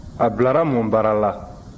a bilara mun baara la